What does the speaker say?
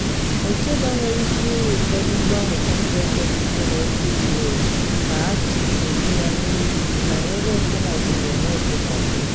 Ọktọba nwere ike ịhụ ụfọdụ mgbanwe temprechọ dị ike n’ofe U.S. ka Arctic na ejuwanye oyi, mana ebe okpomọkụ ga-enwe okpomọkụ.